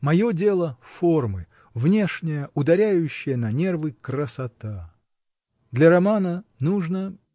Мое дело — формы, внешняя, ударяющая на нервы красота! Для романа — нужно.